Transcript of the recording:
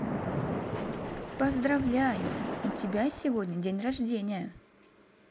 поздравляю у тебя сегодня день рождения